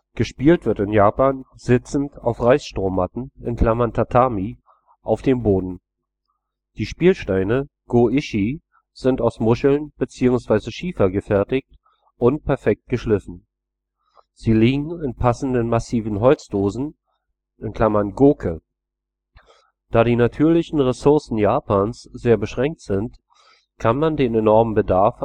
Gespielt wird in Japan sitzend auf Reisstrohmatten (Tatami) auf dem Boden. Die Spielsteine (碁石, go-ishi) sind aus Muscheln bzw. Schiefer gefertigt und perfekt geschliffen. Sie liegen in passenden massiven Holzdosen (碁笥, goke). Da die natürlichen Ressourcen Japans sehr beschränkt sind, kann man den enormen Bedarf